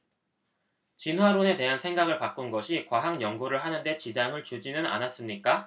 진화론에 대한 생각을 바꾼 것이 과학 연구를 하는 데 지장을 주지는 않았습니까